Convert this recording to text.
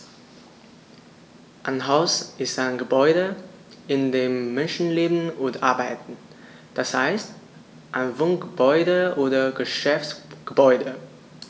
Ein Haus ist ein Gebäude, in dem Menschen leben oder arbeiten, d. h. ein Wohngebäude oder Geschäftsgebäude.